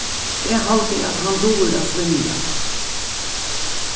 eg haldi at hann dugir at svimja